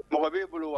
Mɔgɔ b' e bolo wa